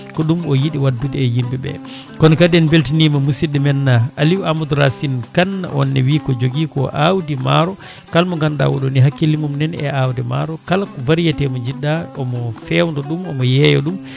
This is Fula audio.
ko ɗum o yiiɗi waddude e yimɓeɓe kono kadi en beltinima musidɗo men Aliou Amadou Racine Kane onne wi ko joogui ko awdi maaro kalmo ganduɗa oɗo ni hakkille mum nani e awde maaro kala variété mo jiɗɗa omo fewna ɗum omo yeeya ɗum